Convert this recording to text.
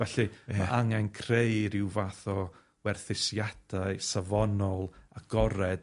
Felly. Ie. ...ma' angen creu ryw fath o werthusiadau safonol, agored.